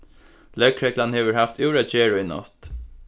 løgreglan hevur havt úr at gera í nátt